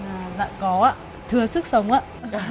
à dạ có ạ thừa sức sống